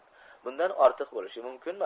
bundan ortiq bo'lishi mumkinmi